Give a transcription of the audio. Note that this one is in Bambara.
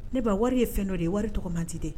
Ne ba wari ye fɛn'o ye wari tɔgɔ man tɛ dɛ